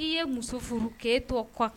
N ye muso furu kɛ tɔgɔ kɔ kan